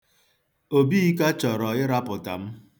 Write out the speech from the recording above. Obika chọrọ ịrapụta m.